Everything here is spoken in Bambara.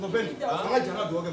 Mohamed, an, an ka jamana tɔ kɛ